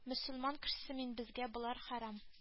Мөселман кешесе мин безгә болар харам